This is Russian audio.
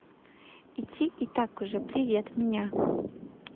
идти и так уже привет меня